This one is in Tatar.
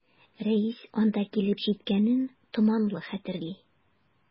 Рәис анда килеп җиткәнен томанлы хәтерли.